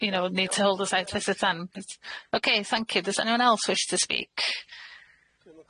you know need to hold a sight visit then, ok thank you does anyone else wish to speak?